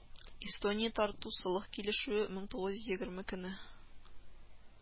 Эстония Тарту солых килешүе , мең тугыз йөз егерме көне